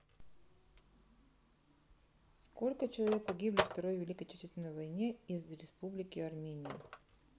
сколько человек погибли второй великой отечественной войне из республики армения